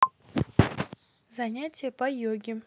занятия по йоге